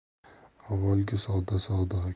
avvalgi savdo savdo